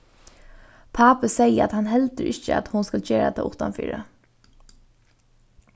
pápi segði at hann heldur ikki at hon skal gera tað uttanfyri